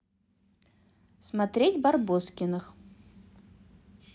смотреть барбоскиных